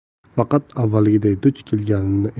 faqat avvalgiday duch kelganini